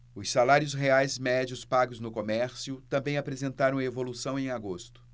os salários reais médios pagos no comércio também apresentaram evolução em agosto